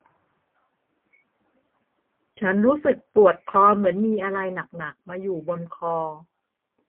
ฉันรู้สึกปวดคอเหมือนมีอะไรหนักหนักมาอยู่บนคอ